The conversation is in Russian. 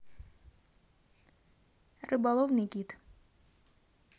рыболовный гид